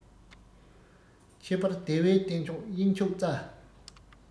ཁྱད པར བདེ བའི རྟེན མཆོག དབྱིངས ཕྱུག རྩ